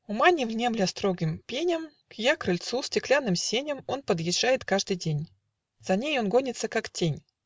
Ума не внемля строгим пеням, К ее крыльцу, стеклянным сеням Он подъезжает каждый день За ней он гонится как тень